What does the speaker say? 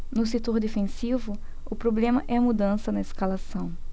no setor defensivo o problema é a mudança na escalação